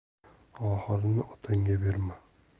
oxirini otangga berma